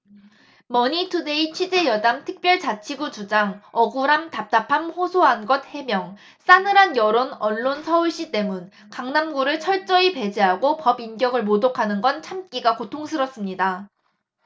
머니투데이 취재여담 특별자치구 주장 억울함 답답함 호소한 것 해명 싸늘한 여론 언론 서울시 때문 강남구를 철저히 배제하고 법인격을 모독하는 건 참기가 고통스럽습니다